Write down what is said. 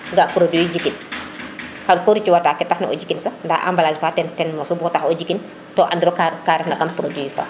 o ga a produit jikin ko ric wata ke taxna o jikin nda embalage fa ten ten mosu bo tax o jikin to andiro ka ref na kaam produit fa